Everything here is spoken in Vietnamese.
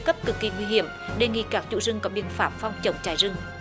cấp cực kỳ nguy hiểm đề nghị các chủ rừng có biện pháp phòng chống cháy rừng